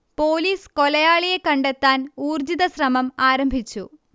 police കൊലയാളിയെ കണ്ടെത്താൻ ഊർജ്ജിത ശ്രമം ആരംഭിച്ചു